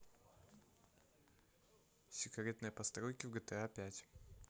секретные постройки в гта пять